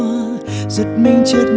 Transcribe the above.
giật mình chợt